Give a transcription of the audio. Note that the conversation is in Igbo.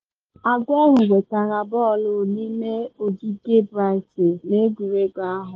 Aguero nwetara bọọlụ n’ime ogige Brighton n’egwuregwu ahụ.